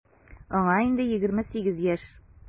Аңа инде 28 яшь.